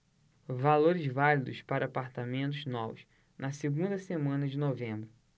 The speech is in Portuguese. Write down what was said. valores válidos para apartamentos novos na segunda semana de novembro